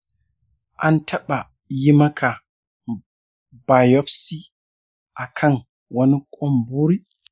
an taɓa yi maka biopsy a kan wani ƙumburi?